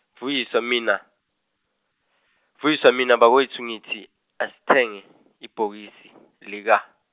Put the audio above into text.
Vuyiswa mina, Vuyiswa mina bakwethu ngithi asithenge ibhokisi lika.